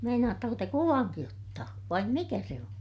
meinaatteko te kuvankin ottaa vai mikä se on